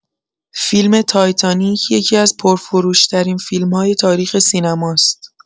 فیلم «تایتانیک» یکی‌از پرفروش‌ترین فیلم‌های تاریخ سینماست.